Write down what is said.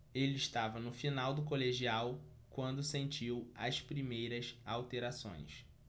ele estava no final do colegial quando sentiu as primeiras alterações